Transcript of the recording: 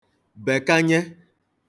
bèkanye